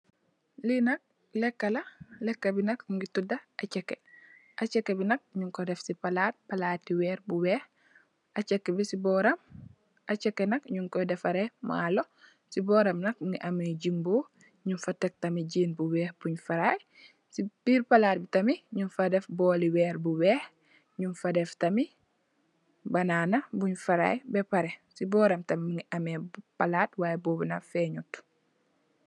Lii nak leeka la, leeka bi mu ngi tuda, akeche. Akeche bii nak, nyung ko def si palaat, plaat i weer bu weex, acheke nak nyung kooy defaree maalo, si boroom nak, mu ngi am jumbo, nyung fa tek tam jen buweex bung faraay, si biir palaat bi tamit, nyung fa def booli weer bu weex, nyung fa def tamit, banaana bung faraay ba pare. Si booram tamet mu ngi am palaat, waaye, boobu nak, feenyut.